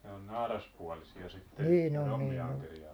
ne on naaraspuolisia sitten ne rommiankeriaat